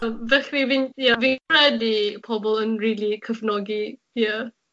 On' felly fi'n, ie fi'n credu pobol yn rili cefnogi ie.